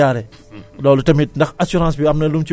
jumtukaay yi nga xam ne moom lay liggéeyee tamit